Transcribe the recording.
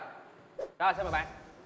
xin mời bạn